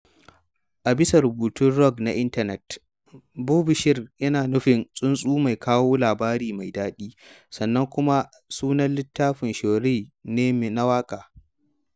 A bisa rubutun Roge na intanet, Bubisher yana nufin '' tsuntsu mai kawo labari mai daɗi'', sannan kuma sunan littafin Saharaui ne na waƙa.